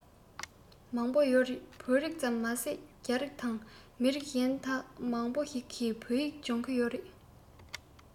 མང པོ ཡོད རེད བོད རིགས ཙམ མ ཟད རྒྱ རིགས དང མི རིགས གཞན དག མང པོ ཞིག གིས བོད ཡིག སྦྱང གི ཡོད རེད